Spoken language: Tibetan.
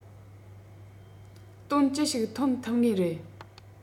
དོན ཅི ཞིག ཐོན ཐུབ ངེས ཡིན